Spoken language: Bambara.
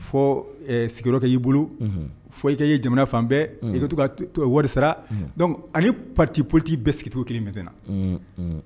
Fɔ sigiyɔrɔkɛ y'i bolo foyi i ka ye jamana fan bɛɛ i to to wari sarac ani pati pti bɛɛ sigi kelen mɛt na